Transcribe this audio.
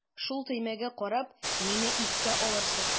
Шул төймәгә карап мине искә алырсыз.